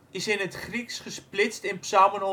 is in het Grieks gesplitst in psalmen